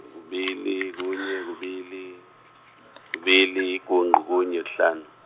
kubili kunye kubili, kubili igunqu kunye kuhlanu.